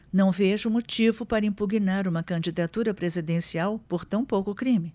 não vejo motivo para impugnar uma candidatura presidencial por tão pouco crime